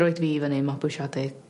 roid fi i fyny i mabwysiadi